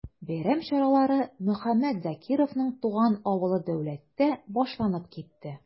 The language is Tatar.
Бәйрәм чаралары Мөхәммәт Закировның туган авылы Дәүләттә башланып китте.